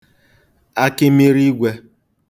akịmiriīgwē